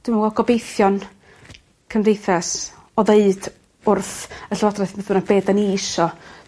dwi'n me'wl gobeithio'n cymdeithas o ddeud wrth y llywodrath gweutho n'w be' 'da ni isio.